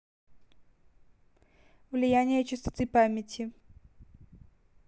влияние частоты памяти